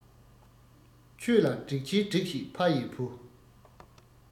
ཆོས ལ སྒྲིག ཆས སྒྲིགས ཤིག ཕ ཡི བུ